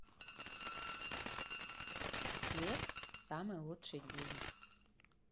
лепс самый лучший день